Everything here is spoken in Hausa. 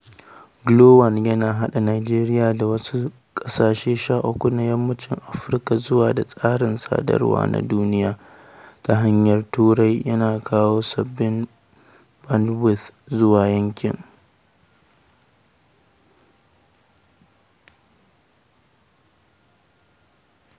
GLO-1 yana haɗa Najeriya da wasu ƙasashe 13 na Yammacin Afirka zuwa tsarin sadarwa na duniya ta hanyar Turai, yana kawo sabon bandwidth zuwa yankin.